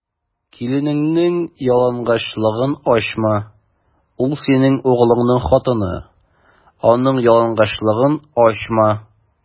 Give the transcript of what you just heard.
Киленеңнең ялангачлыгын ачма: ул - синең углыңның хатыны, аның ялангачлыгын ачма.